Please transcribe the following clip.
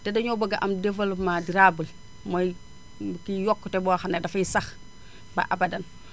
te dañoo bëgg a am développement durable mooy kii yokkute boo xam ne dafay sax ba abadan